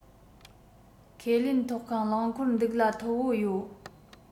ཁས ལེན ཐོག ཁང རླངས འཁོར འདུག གླ མཐོ པོ ཡོད